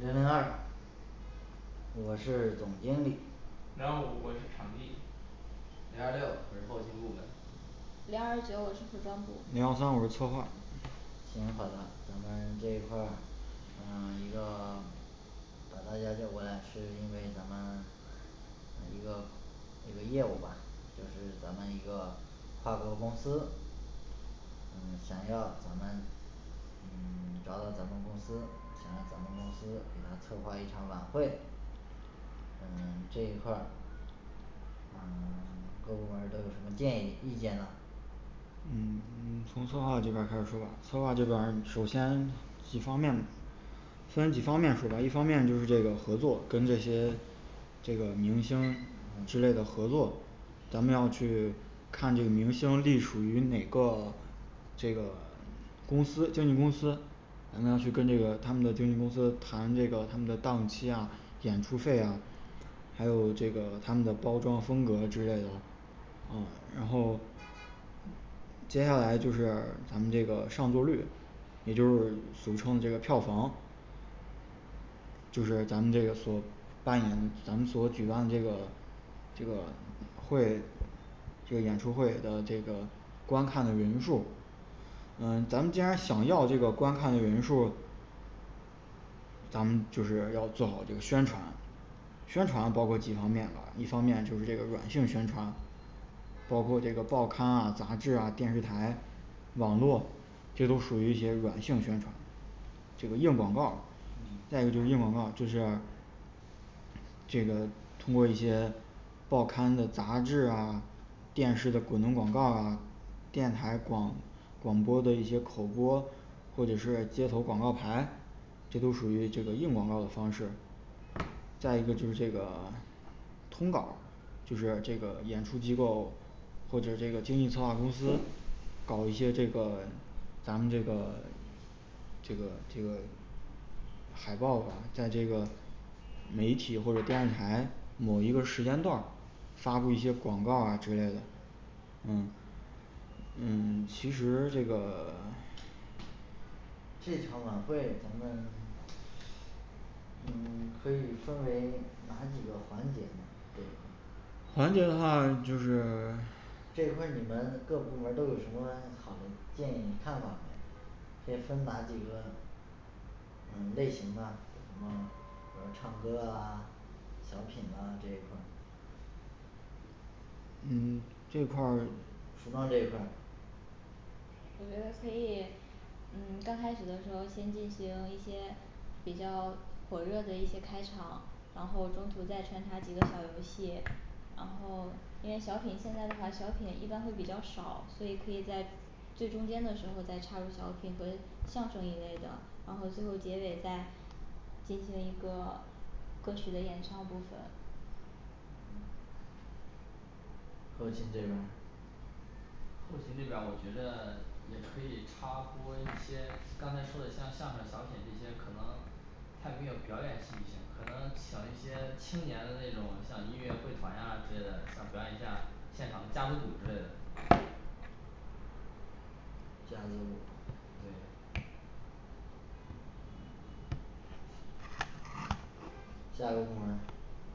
零零二我是总经理零幺五我是场地零二六我是后勤部门零二九我是服装部零幺三我是策划行好的咱们这一块儿嗯 一个 把大家叫过来是因为咱们一个一个业务吧就是咱们一个跨国公司嗯想要咱们嗯 找到咱们公司想让咱们公司给他策划一场晚会嗯 这一块儿嗯 各部门儿都有什么建议意见呢嗯从策划这边儿开始说策划这边儿首先几方面分几方面说第一方面就是这个合作跟这些这个明星之嗯类的合作咱们要去看这个明星隶属于哪个 这个 公司经纪公司咱们要去跟这个他们的经纪公司谈这个他们的档期呀演出费呀还有这个他们的包装风格之类的嗯然后接下来就是咱们这个上座率也就是俗称这个票房就是咱们这个所办理咱们所举办这个这个会这演出会的这个观看的人数嗯咱们既然想要这个观看的人数儿咱们就是要做好就是宣传宣传包括几方面呢一方面就是这个软性宣传包括这个报刊啊杂志啊电视台网络这都属于一些软性宣传这个硬广告嗯再一个就是硬广告就是这个通过一些报刊的杂志啊电视的滚动广告啊电视台广广播的一些口播或者是街头广告牌这都属于这个硬广告的方式再一个就是这个通告儿就是这个演出机构或者这个经纪策划公司搞一些这个咱们这个 这个这个海报的在这个媒体或者电视台某一个时间段儿发布一些广告啊之类的嗯是嗯 其实这个 这场晚会咱们 嗯 可以分为哪几个环节呢环节的话就是 这块儿你们各部门儿都有什么好的建议看法没可以分哪几个嗯类型啊什么呃唱歌啊小品啊这一块儿嗯 这一块儿服装这一块儿我觉得可以嗯刚开始的时候先进行一些比较火热的一些开场然后中途再穿插几个小游戏然后因为小品现在的话小品一般会比较少所以可以在最中间的时候再插入小品和相声一类的然后最后结尾在进行一个歌曲的演唱部分后勤这边儿后勤这边儿我觉着也可以插播一些刚才说的像相声小品这些可能太没有表演戏剧性可能请一些青年的那种像音乐会团呀之类的像表演一下现场的架子鼓之类的架子鼓对下一个部门儿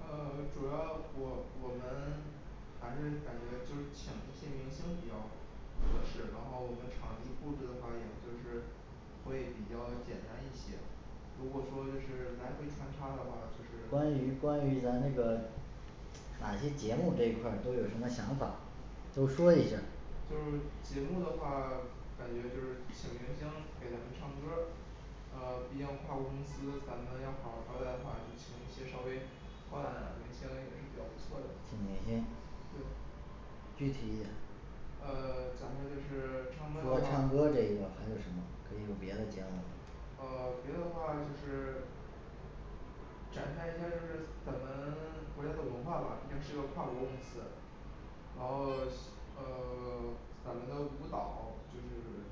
呃 主要我我们还是感觉就是请一些明星比较合适然后我们场地布置的话也就是会比较简单一些如果说就是来回穿插的话就是关于关于咱那个哪些节目这一块儿都有什么想法都说一下儿就是节目的话感觉就是小年轻给咱们唱歌儿嗯毕竟跨国公司咱们要好好儿招待的话就请一些稍微高大点儿明星也是比较不错的请明对星具体一点儿呃 假设就是唱除歌了的话唱歌这一个还有什么可以有别的节目吗呃别的话就是展现一下儿就是咱们 国家的文化吧毕竟是一个跨国公司然后嗯 咱们的舞蹈就是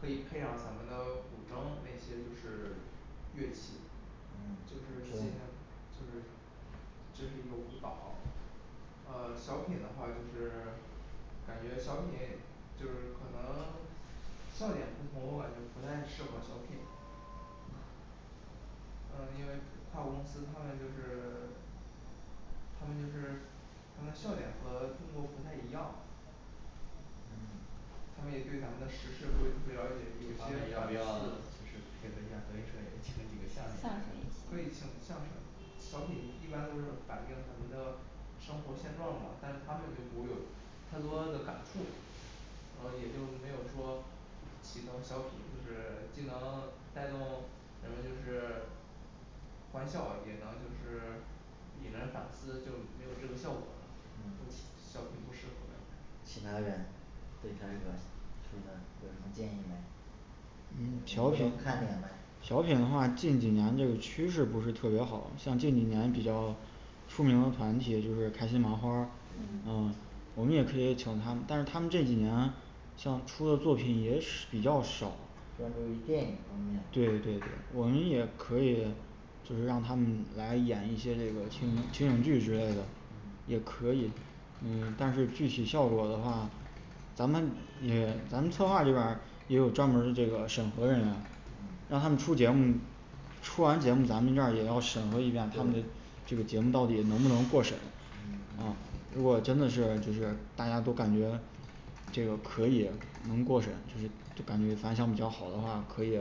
可以配上咱们的古筝那些就是乐器嗯就是进行就是就是一个舞蹈呃 小品的话就是 感觉小品就是可能 笑点不同我感觉不太适合小品嗯因为跨国公司他们就是 他们就是他们笑点和中国不太一样他们也对咱们的时事不会了解有这方面些要不要讽就刺是配合一下德云社也请几个相相声声演员可以也行请相声小品一般都是反映咱们的生活现状嘛但他们就不会有太多的感触然后也就没有说起到小品就是既能带动人们就是欢笑也能 就是 引人反思就没有这个效果了估计嗯小品不适其合他在这儿人对他这个说的有什么建议没嗯小品看点呢小品的话近几年这个趋势不是特别好像近几年比较出名的团体也就是开心麻花儿嗯对嗯我们也可以请他们但是他们这几年像出的作品也少比较少专注于电影方面对对对我们也可以就是让他们来演一些这个情情景剧之类的嗯也可以嗯但是具体效果的话咱们这个咱们策划这边儿也有专门儿这个审核人员嗯让他们出节目对出完节目咱们这儿也要审核一下儿他们这个节目到底能不能做成啊嗯如果真的是就是大家都感觉这个可以能过审就就感觉反响比较好的话可以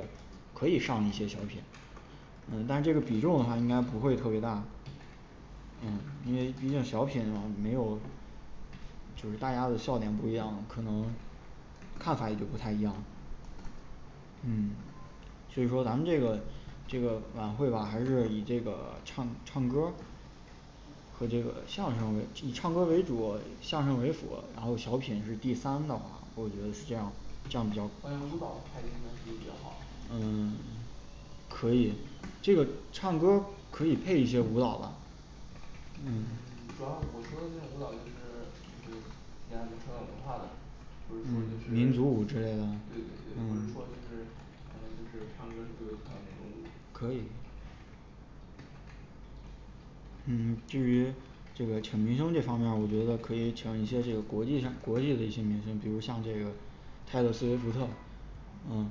可以上一些小品嗯但是这个比重的话应该不会特别大嗯因为毕竟小品的话没有就是大家的笑点不一样可能看法也就不太一样&嗯&所以说咱们这个这个晚会吧还是以这个唱唱歌儿和这个相声为以唱歌为主相声为辅然后小品是第三个吧对我觉得是这样子这样比较关于舞蹈排第三是不是比较好嗯 可以这个唱歌儿可以配一些舞蹈吧嗯 主要我说的那种舞蹈就是就是对对对不是民族舞之类的说就是可能就是唱歌就会跳的那种舞可以嗯至于这个请明星这方面儿我觉得可以请一些这个国际国际的一些明星比如像这个嗯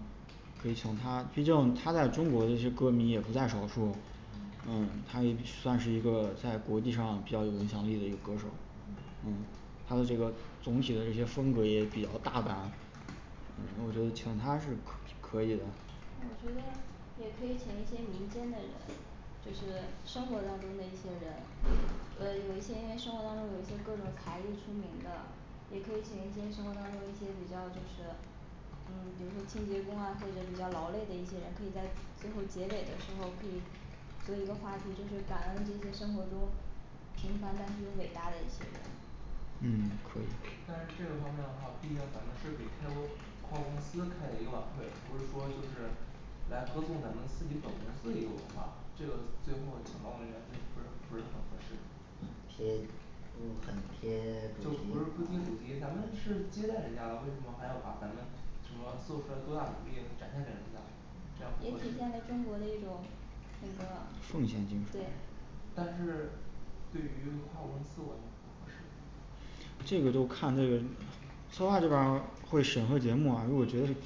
可以请她毕竟她在中国那些歌迷也不在少数嗯她也算是一个在国际上比较有影响力的一个歌手嗯嗯她的这个总体的这些风格也比较大胆我觉得请她是可可以的我觉得也可以请一些民间的人就是生活当中的一些人呃有一些人生活当中有一些各种才艺出名的也可以请一些生活当中那些比较就是嗯比如说清洁工啊或者比较劳累的一些人可以在最后结尾的时候可以做一个话题就是感恩这些生活中平凡但是又伟大的一些人嗯可以但是这个方面的话毕竟咱们是给开国跨国公司开的一个晚会不是说就是来歌颂咱们自己总公司的一个文化这个最后请劳动人员就不是不是很合适不很贴就不是不贴主题咱们是接待人家的为什么还要把咱们什么做出来多大努力展现给人家这样也不体现了中国合的一适种那个对奉献精神对但是对于跨国公司完全不合适这个就看这个策划这边儿会审核节目啊如果觉得我我觉我觉得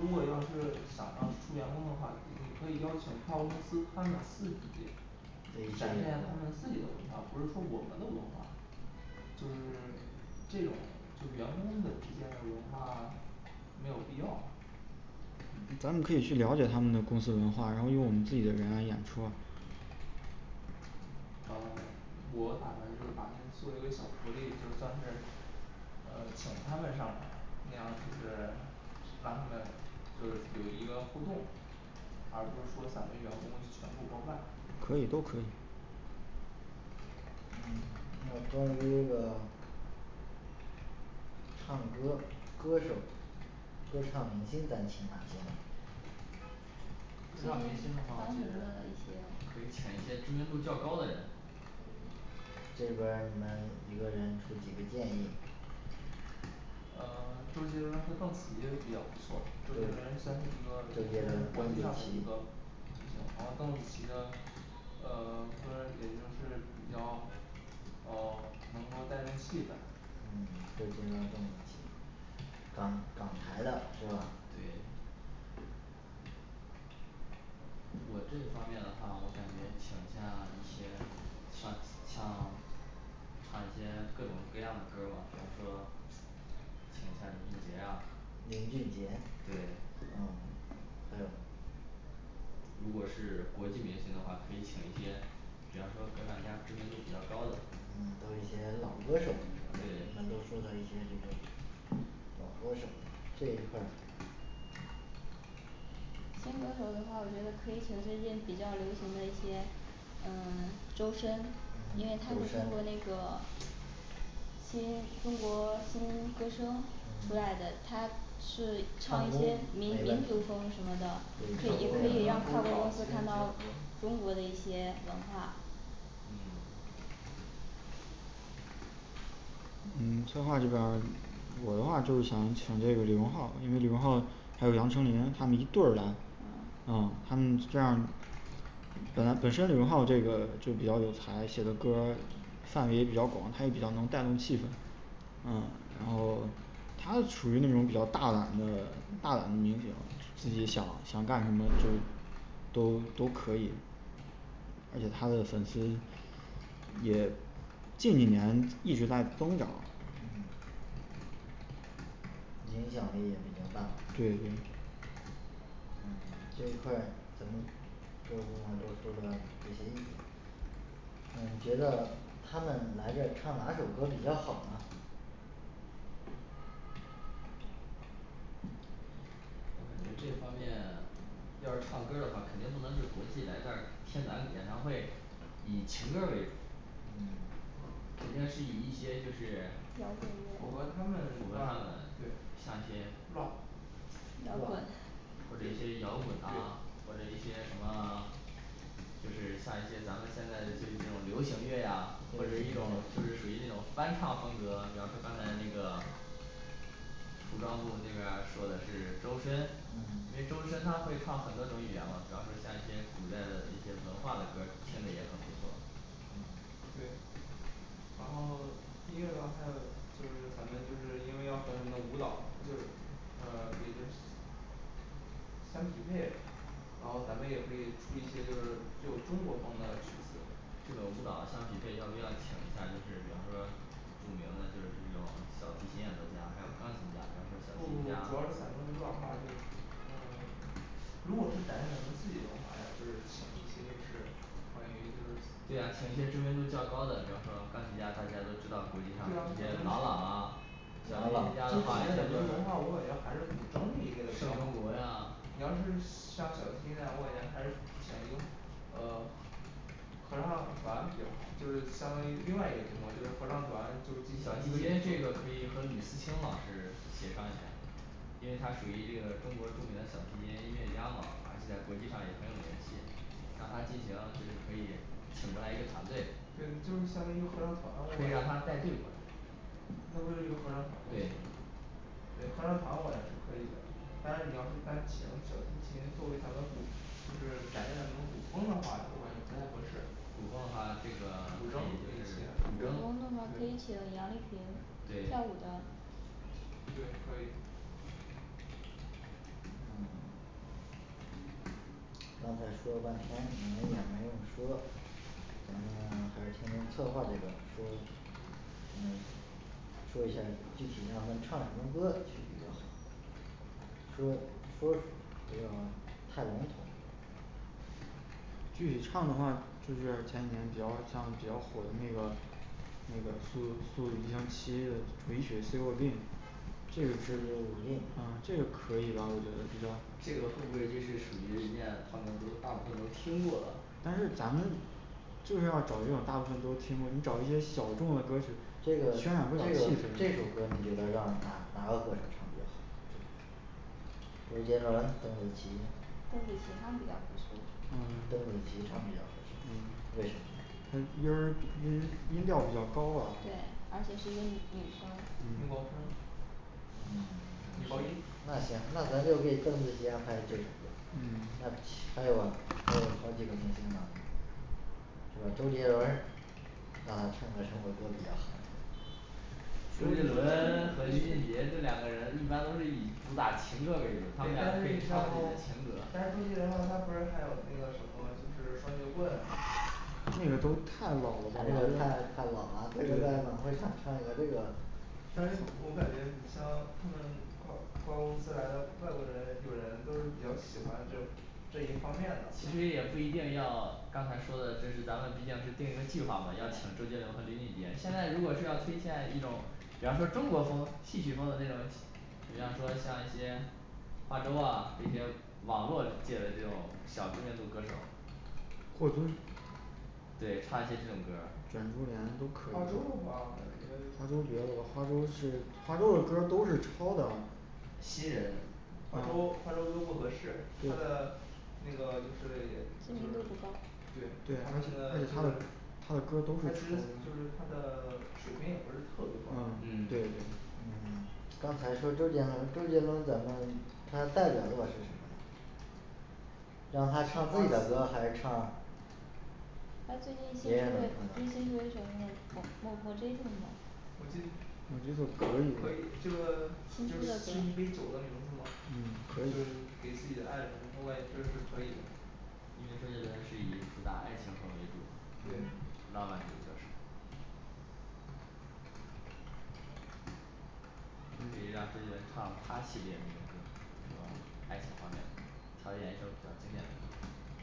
如果要是想要出员工的话你可以邀请跨国公司他们自己对一些展现他们自己的文化不是说我们的文化就是这种就员工们之间的文化没有必要咱们可以去了解他们的公司文化然后用我们自己的人来演出啊呃我打算就是把那儿做一个小福利就算是呃请他们上来那样就是让他们就是有一个互动而不是说咱们的员工全部包办可以都可以那关于这个唱歌歌手歌唱明星咱请哪些呢歌唱明星的当话我红觉得的一些可以请一些知名度较高的人这边儿你们一个人出几个建议嗯 周杰伦和邓紫棋比较不错周杰伦算是一个周也杰算是伦国邓际紫上的棋一个都然后挺好邓紫棋呢呃 歌儿也就是比较嗯 能够带动气氛嗯周杰伦邓紫棋港港台的是吧对我这方面的话我感觉请像一些像像唱一些各种各样的歌儿吧比方说请一下林俊杰呀林俊杰对哦还有如果是国际明星的话可以请一些比方说歌唱家知名度比较高的嗯像一些老歌手对吗能对够做到一些这种老歌手这一块儿新歌手的话我觉得可以请最近比较流行的一些嗯周深因为他是周深通过那个新中国新歌声出来嗯的他是唱唱一些功没民问民题族风什么的可以也可可以以让让他他和们能舞够看蹈到结结合中国的一些文化嗯 嗯策划这边儿我的话就是想请这个李荣浩因为李荣浩还有杨丞琳他们一对儿来嗯他们这样儿本来本身李荣浩这个就比较有才这个歌儿范围比较广他也比较能带动气氛嗯然后他属于那种比较大胆的大胆的那种自己想想干什么都都可以而且他的粉丝也近几年一直在增长嗯影响力也比较大对对嗯这一块儿咱们各部门儿都都哪些意见你们觉得他们来这儿唱哪首歌比较好呢我觉得这方面要是唱歌儿的话肯定不能是国际来这儿听咱演唱会以情歌儿为主嗯肯定是以一些就是摇符符合合滚乐他他们们主要的对像一些 rap 摇滚 rap 或者一些摇滚啊对或者一些什么就是像一些咱们现在就这种流行乐呀或者一种就是属于那种翻唱风格，比方说刚才那个服装部那边儿说的是周深因嗯为周深他会唱很多种语言嘛，比方说像一些古代的一些文化的歌儿听着也很不错嗯对然后音乐的话就是咱们就是因为要和他们的舞蹈也就是嗯，也就相匹配然后咱们也可以出一些就是具有中国风的曲子这个舞蹈相匹配要不要请一下儿，就是比方说著名的就是这种小提琴演奏家，还有钢琴家，比方说小不提不不琴主要是展家现舞蹈的话就嗯 如果是展现咱们自己文化呀就是请一些就是关于就是对呀请一些知名度较高的，比方说钢琴家，大家都知道国际上这些朗朗啊小提琴家的体话也现就咱们文化是我感觉还是古装那一类比盛较中国呀好，你要是像小提琴那样我感觉还是请用呃合唱团比较好就是相当于另外一个地方就是合唱团就是毕竟小提琴这个可以和吕思清老师协商一下儿因为他属于这个中国著名的小提琴音乐家嘛而且在国际上也很有名气让他进行就是可以请过来一个团队对就是相当于合唱可以团让他带队过来弄过来一个合唱团吗对对合唱团我也是可以的当然你要是单请小提琴作为咱们古就是展现咱们古风的话，我感觉不太合适古风的话，这个可古以筝这就一是些古古筝风的话可以请杨丽萍跳舞对的对可以嗯 刚才说了半天你们也没有说咱们再听听策划这边儿说嗯说一下儿具体情况咱唱什么歌具体的说说不要太笼统具体唱的话就是前几年比较像比较火的那个那个这个其实我觉得它这个可以吧我觉得比较这个会不会就是属于人家他们都大部分都听过了但是咱们就是要找这种大部分都听你找一些小众的歌曲这个这渲个染这这个首气氛歌那个国家就这个邓紫棋邓紫棋她比较合适邓紫棋唱比较合适为什么又是音音调比较高对昂而且是一个女女生女高声嗯女高音行那咱咱就可以邓紫棋就还有这个那还有吗像这个周杰伦儿让他唱个什么歌比较好周杰伦和林俊杰这两个人一般都是以主打情歌为主他们对俩但可以是唱自己的情歌但是周杰伦他不是还有那个什么就是双节棍那个都太老他了那那个太个太老了这个在晚会上唱一个这个但是我感觉你像他们跨跨国公司来的外国人友人都是比较喜欢这种这一方面的其实也不一定要刚才说的就是咱们毕竟是定一个计划嘛要请周杰伦和林俊杰现在如果是要推荐一种比方说中国风戏曲风的那种戏比方说像一些花粥哇这些网络界的这种小知名度歌手儿霍尊对唱一些这种歌儿花粥的话感觉花花粥别了吧花粥是粥的歌儿都是抄得新人花粥花粥歌不合适他对的那个就是也就是知名度不高对对他而且而且们的她的歌都她是其实就是她的水平也不是特别高嗯对嗯刚才说周杰伦周杰伦咱们他的代表作是什么呢让他唱自己的歌还是唱他最近新出的又新出的一首那个呃我觉得可可以以，这个就新出的是歌是一杯酒的名字吗可就是以给自己的爱人我感觉可以的因为周杰伦是以主打爱情歌为主嘛你对浪漫主义歌手可以让周杰伦唱他系列那首歌儿说爱情方面的挑选一首比较经典的歌儿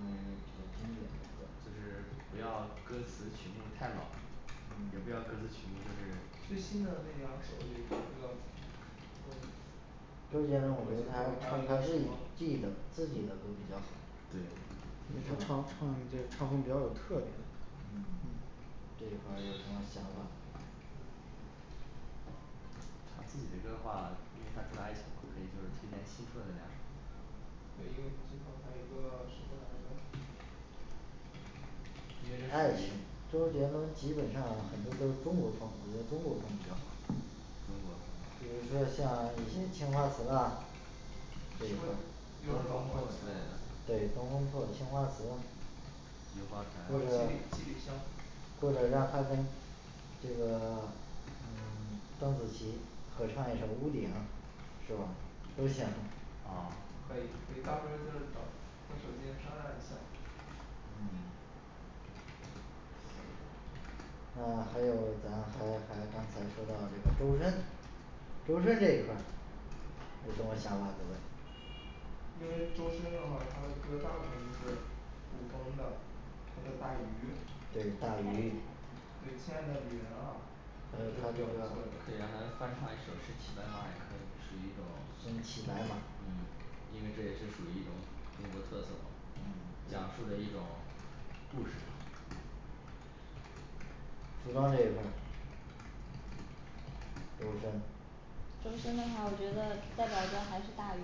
嗯比较经典就是不要歌词曲目太老也不要嗯歌词曲目就是最新的那两首那个歌嗯他唱他自己记的自己的歌比较好对因为他唱这个唱功比较有特点嗯这一块儿有什么想法唱自己的歌儿话因为他主打爱情嘛可以就是推荐新出的那两首有一个我们最后还有一个什么来着因为这属于周杰伦基本上很多都中国风我觉得中国风比较好中国风比如说像一些青花瓷啦东风破之类的对东风破青花瓷菊花还还有台七里有七里香或者让他跟这个嗯 邓紫棋合唱一首屋顶是吧多像嗯哦可以可以到时候儿就找歌手进行商量一下儿嗯那还有咱还有咱刚才说到的周深周深这一块儿有什么想法儿没因为周深的话他的歌大部分都是古风的他的大鱼对大鱼对亲爱的旅人啊也是感觉不错的可以让他翻唱一首身骑白马也可以属于一身骑白种马嗯因为这也是属于一种中国特色嘛嗯讲述着一种故事吧服装这一块儿周深周深的话我觉得代表作还是大鱼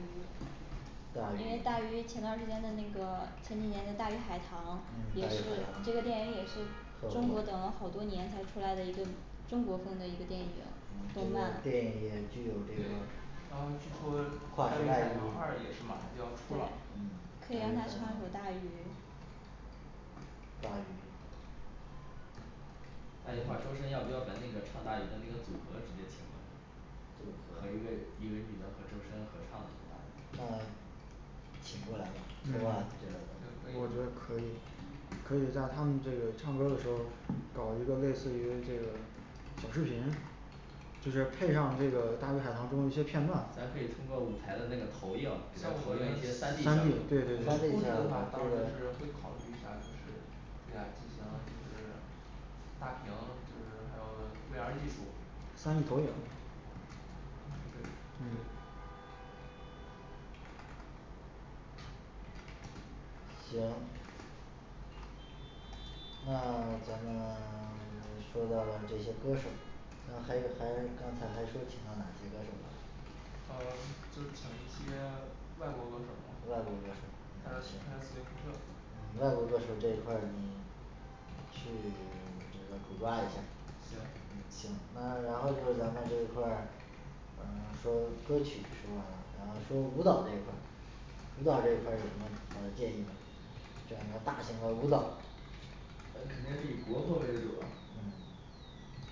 因为大大鱼鱼前段儿时间的那个前几年的大鱼海棠嗯还也有是什么这作个电影也是中国品等了好多年才出来的一个中国风的一个电影嗯这嗯个呢电影也具有这对个嗯然后据说大鱼海棠二也是马上就要出了嗯可以让他唱一首大鱼大鱼再一个话周深要不要把那个唱大鱼的那个组合直接请过来组合和一个一个女的和周深合唱的一个大鱼那请过来吧嗯也可以好吧对我觉着可以可以在他们这个唱歌儿的时候搞一个类似于这个小视频就是配上这个大鱼海棠当中的一些片段咱可以通过舞台的那个投影给加他上我合一些们三三 D D 效果对我对们布置对的话到时候会考虑一下就是对他进行就是大屏就是还有V R技术三D投影对因为行那咱们 说到这些歌手咱们还还刚才还说了其他那些歌手呢嗯就是请一些外国歌手嘛外国他歌手他是属于外国歌手这一块儿你 去 这个主抓一下儿行嗯行那然后就是咱们这一块儿咱们说歌曲说完了咱们说舞蹈这一块儿舞蹈这一块儿有什么好的建议没整个大型的舞蹈咱肯定是以国风为主哇嗯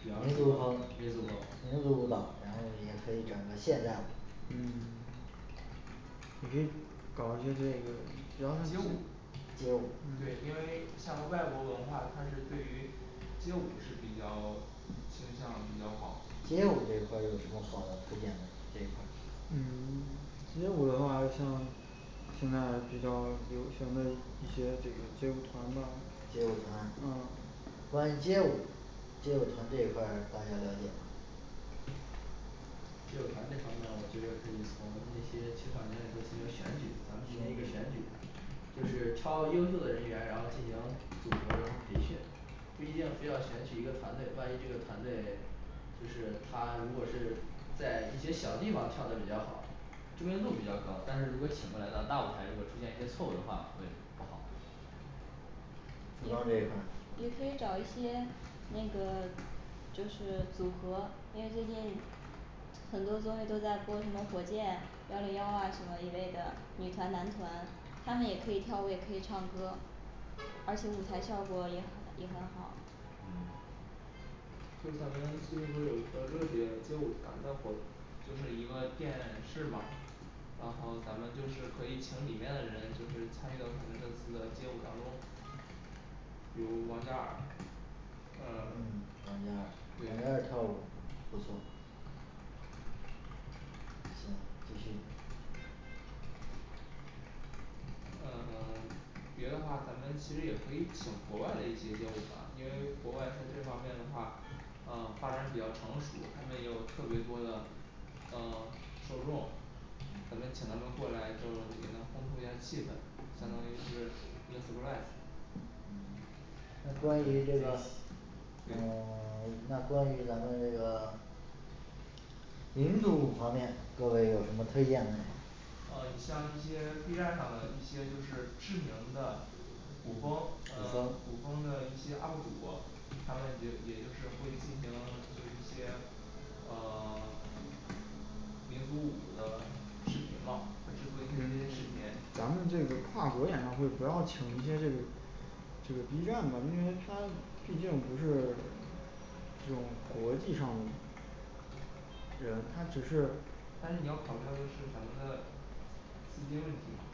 比方民族风说民民族风族舞蹈然后也可以整一个现代舞嗯也可以搞一些这街舞个街舞对，因为像外国文化它是对于街舞是比较倾向比较好街舞这一块儿有什么好的推荐这一块儿嗯 街舞的话像现在比较流行的一些这个街舞团吧街舞团嗯关于街舞街舞团这块儿大家了解吗街舞团这方面儿我觉得可以从那些青少年里头进行选举咱们进行一个选举就是挑优秀的人员然后进行组合然后培训不一定非要选取一个团队万一这个团队 就是他如果是在一些小地方儿跳的比较好知名度比较高但是如果请过来到大舞台如果出现一些错误的话会不好服装这一块儿呢也也可以找一些那个就是组合因为最近很多东西都在播什么火箭，幺零幺哇什么一类的女团男团，他们也可以跳舞，也可以唱歌，而且舞台效果也很也很好。嗯就咱们最近不是有一个热血街舞团的活动就是一个电视嘛然后咱们就是可以请里面的人就是参与到咱们这次的街舞当中比如王嘉尔嗯对王嘉尔对王嘉尔跳舞不错行继续嗯 别的话咱们其实也可以请国外的一些街舞团因为国外在这方面的话嗯发展比较成熟他们也有特别多的嗯受众，咱们请他们过来之后也能丰富一下气氛相当于是一个surprise 那关于惊这喜个对嗯 那关于咱们这个民族舞方面各位有什么推荐的嗯你像一些B站上的一些就是知名的古风嗯古风的一些up主他们也也就是会进行就是一些嗯 民族舞的视频嘛，会制作一些这些视频咱们这个跨国演唱会不要请一些这个就是B站的因为他毕竟不是这种国际上对吧他只是但是你要考虑到的是咱们的资金问题嘛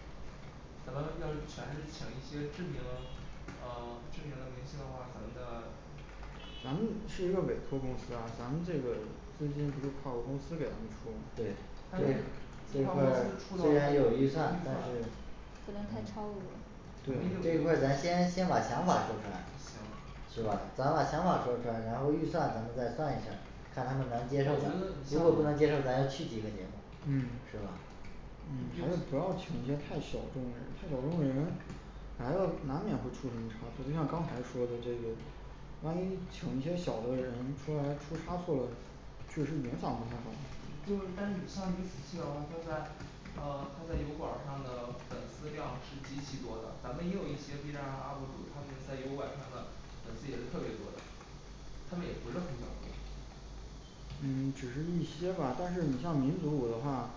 可能要全是请一些知名嗯知名的明星的话，咱们的咱们是一个委托公司啊，咱们这个资金不是跨国公司给咱们出吗对但是跨国公司出虽的然有一个有预预算算但是不能太超额咱们又这一有一块个儿咱们先先把想法说出来行是吧咱们把想法说出来然后预算咱们再算一算看他们我能觉接得受吗？不能接受咱去几个人嗯是吧嗯不要请那些太小众的太小众的人来到难免会出现这种差错，就像刚才说的这个万一请一些小的人出来出差错了确实影响不好就但是你像你仔细的话他在呃他在油管儿上的粉丝量是极其多的，咱们也有一些B站上的up主，他们在油管上的粉丝也是特别多的，他们也不是很小众嗯只是一些吧但是你像民族舞的话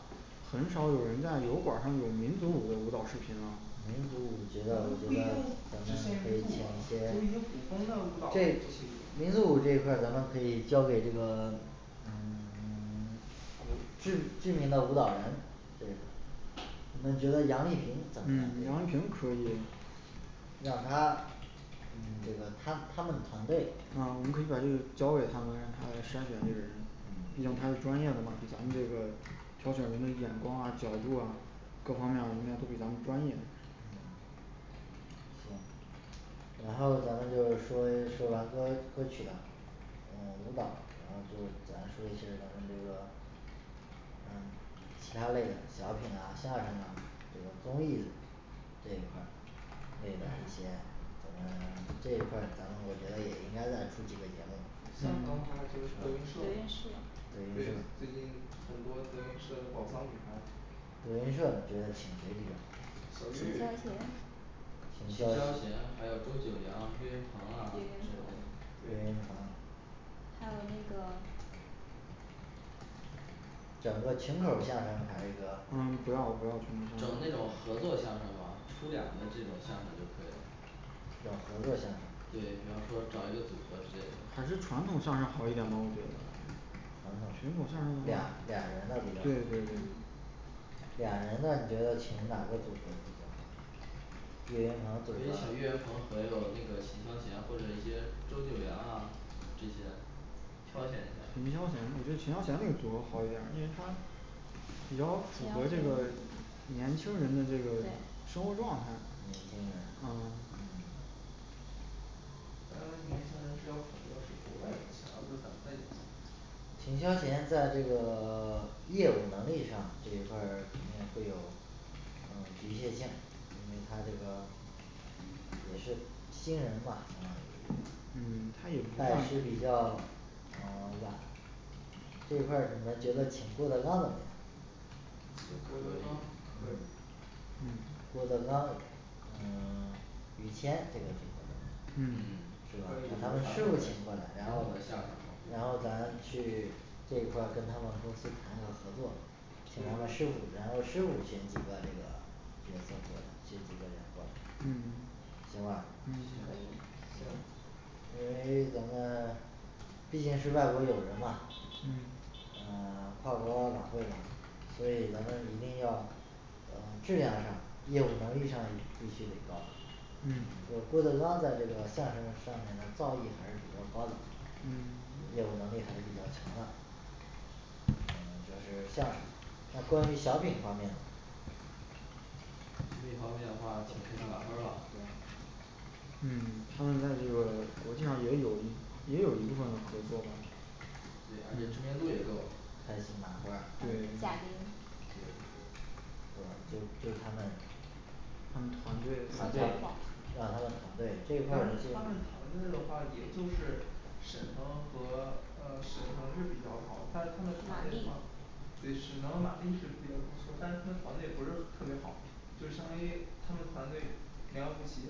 很少有人在油管儿上有民族舞的舞蹈视频吧民族舞咱们觉得咱不一定们只限于民族舞就是一个古风的舞蹈，这，民族舞这一块儿咱们可以交给这个 知知名的舞蹈人，这个，你们觉得杨丽萍怎嗯么样，杨丽萍可以让她嗯这个她她们团队嗯可以把这个交给她们她们筛选这个毕嗯竟她是专业的比咱们这个挑选的这个眼光儿啊角度啊各方面儿应该都比咱们专业然后咱们就是说说完歌歌曲吧嗯舞蹈咱们就咱说一些咱们这个嗯其他类的小品啊相声啊这个综艺这一块儿& &得有一些嗯 这一块儿，咱们我觉得也应该再出几个节目相声的话就是德德云云德云社社社对最近很多德云社的宝藏女孩德云社你觉得请谁比较小合岳秦霄岳贤适秦秦霄霄贤贤还有周九良岳云鹏啊岳这云鹏个岳云鹏还有那个整个群口儿相声还是嗯不要不要整那种合作相声嘛，出两个这种相声就可以了找合作相声对，比方说找一个组合之类的还是传统相声好一点儿吧我觉得传传统相统声俩俩人的那对种对对俩人的你觉得请哪个组合比较好岳云鹏可以请岳云鹏和那个秦霄贤或者一些周久良啊这些挑选一下秦霄贤秦霄贤这个组合好点儿因为他比较符合这个年轻人的这个对生活状态年轻人嗯嗯但是他年轻人是要考虑到是国外年轻而不是咱们的年轻秦霄贤在这个 业务能力上这一块儿肯定会有嗯局限性因为他这个也是新人嘛，嗯嗯他这也一块儿算是比是较晚这一块儿你们觉得请郭德纲怎么样请郭德纲也可以可以嗯嗯郭德纲嗯 于谦这个组合嗯嗯可可以咱以们把师傅请过来传统的相声然后咱去这一块儿跟他们公司谈这个合作请他们的师傅，把他们的师傅先请过来一个，请几个人行过来嗯，行吧行行因为咱们毕竟是外国友人嘛嗯呃 跨国晚会嘛，所以咱们一定要质量上业务能力上必须得高嗯郭德纲在这个相声上面的造诣还是比较高的嗯，业务能力还是比较强的嗯这是相声那关于小品方面那一方面的话请开心麻花儿吧&对&嗯他们那有国际上也有也有一定的合作对，而且知名度也够开心麻花儿对嗯对贾玲呃就就他们他们团队团队让他们团队这一但是他块儿这个们团队的话也就是沈腾和呃沈腾是比较好的但是他们马团队的丽话对沈腾和马丽是比较不错的但是他们团队不是很特别好就是相当于他们团队良莠不齐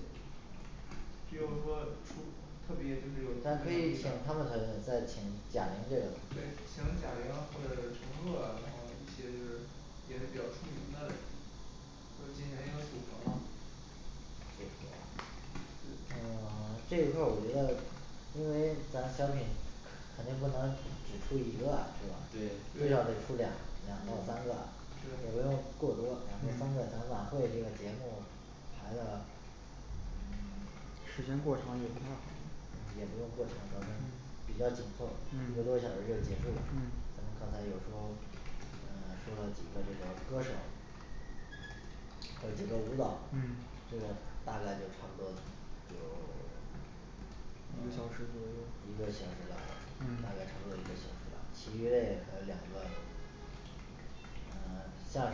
就是说出特别就是有代可表意以义请的他们的再请贾玲这个对请贾玲或者陈赫然后一些就是也是比较出名的或进行一个组合吧组合嗯 这一块儿我觉得因为咱小品肯肯定不能，只出一个吧是吧对最少得对出两两到三个就是也不对用过多然后嗯咱晚会这个节目排的嗯 时间过长也不太好嗯也不用过长比较紧凑录六个小嗯时就结束了咱们嗯刚才有说嗯说了几个这个歌手和几个舞蹈嗯这个大概就差不多一个小时左右嗯一个小时吧大概差不多一个小时吧，其余嘞还有两个嗯 相声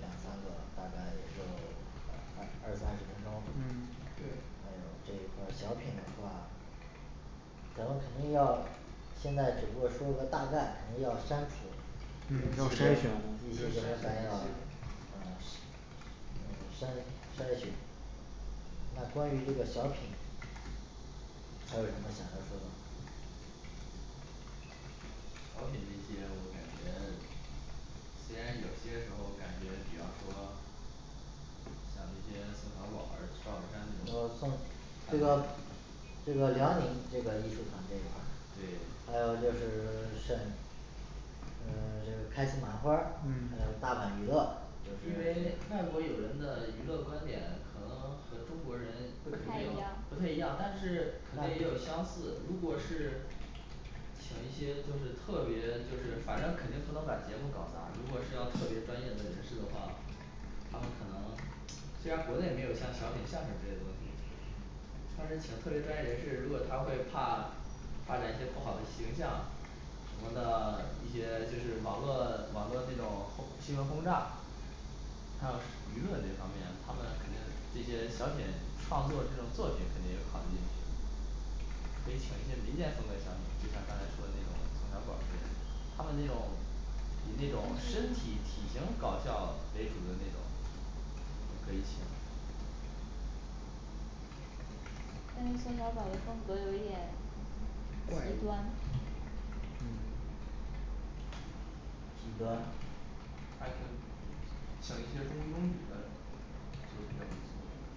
两三个大概品的话然后肯定要现在只不过说个大概肯定要删除对要筛选一要些筛选还要一些嗯嗯筛筛选嗯那关于这个小品还有什么想要说的吗小品这些我感觉虽然有些时候感觉比方说像那些宋小宝儿赵本山那嗯宋这个种这个辽宁这个艺术团这一块儿，对还有沈嗯这个开心麻花儿还有嗯大碗娱乐因为外国友人的娱乐观点国人不不太太一一样样，但是肯定也有相似，如果是请一些就是特别就是反正肯定不能把节目搞砸，如果是要特别专业的人士的话他们可能虽然国内没有像小品相声这些东西但是请特别专业人士，如果他会怕发展一些不好的形象什么的一些就是网络网络那种轰新闻轰炸还有舆论这方面，他们肯定这些小品创作这种作品肯定也考虑进去可以请一些民间风格小品，就像刚才说的那种宋小宝儿之类的，他们那种以那种身体体型搞笑为主的那种也可以请但是宋小宝儿的风格有一点怪异极端，嗯极端还行请一些中规中矩的这个表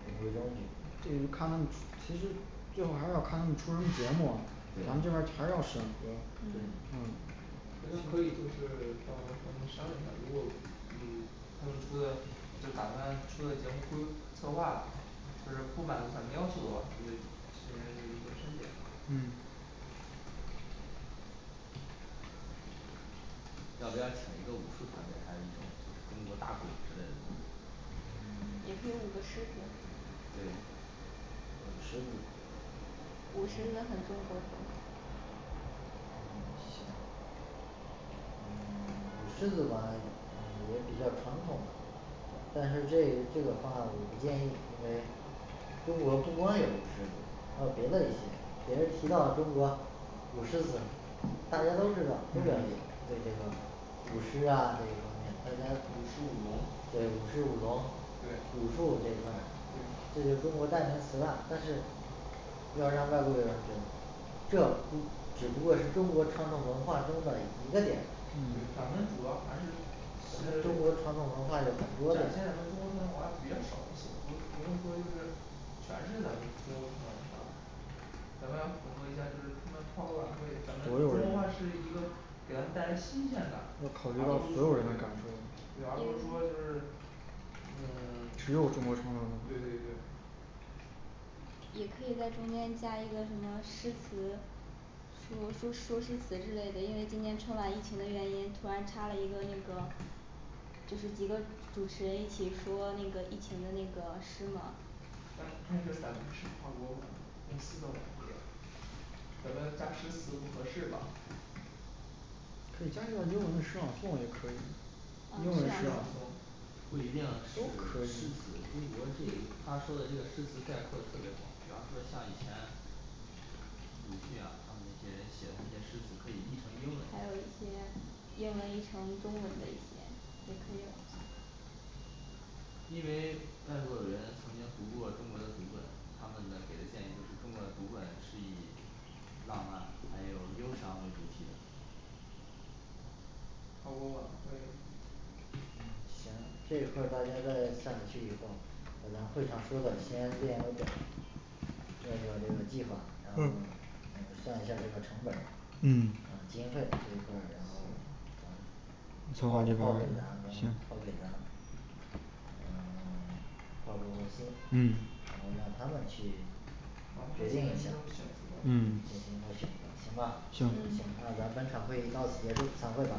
明有什么问题对你看其实最后还要看他们出什么节目，咱们这边对还要审核嗯嗯他们可以就是咱们商量一下，如果嗯他们出的就打算出的节目规策划就是不满足咱们要求的话，咱们就进行一个删减嗯要不要请一个武术团队，还有一种就是中国大鼓之类的东西也可以舞个狮子对舞狮子舞狮子很多很多行舞 狮子的话也比较传统但是这这个话我不建议因为中国不光有舞狮子还有别的一些别人提到就是说舞狮子大家都知道都了解这个 舞狮呀这些东西大家舞狮舞龙都对舞狮舞龙对武术这一块儿这是中国代名词了它是要让外国人这只不过是中国传统文化中的一个点对嗯咱们主要还是是 展现的中中国国传传统统文文化化有比较少一些，比如比方说就是全是咱们中国传统文化咱们要符合一下就是咱们跨国晚会咱们中国传统文化是一个给他们带来新鲜感要考虑到所有人的感受对而不是说就是嗯 只有中国传统对对对也可以在中间加一个什么诗词什么说说诗词之类的，因为今年春晚疫情的原因，突然插了一个那个就是几个主持人一起说那个疫情的那个诗嘛但但是咱们是跨国公司的晚会呀咱们要加诗词不合适吧可以加英文诗嘛，这样也可以，英文嗯诗这样朗诵不一定是都可以诗词，中国这一他说的诗词概括的特别多，比方说像以前鲁迅呀他们那些写的那些诗词可以译成英文还有一些英文译成中文的一些也可以因为外国人曾经读过中国的读本，他们的给的建议就是中国的读本是以浪漫还有忧伤为主题的跨国晚会嗯行这一块儿大家在散下去以后把咱会上说的先列一个表儿这个这个计划然后嗯算一下儿这个成本，嗯呃经费这一块儿然后行咱们策划就报给咱们系里报给咱们嗯 报给他们公司嗯然后让他们去让他决们进定行一下选择嗯进嗯行一个选择行吧嗯行那咱本场会议到此结束，散会吧